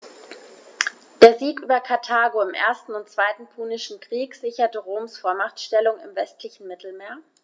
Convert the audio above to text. Der Sieg über Karthago im 1. und 2. Punischen Krieg sicherte Roms Vormachtstellung im westlichen Mittelmeer.